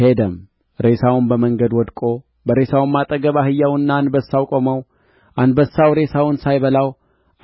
ሄደም ሬሳውም በመንገድ ወድቆ በሬሳውም አጠገብ አህያውና አንበሳው ቆመው አንበሳው ሬሳውን ሳይበላው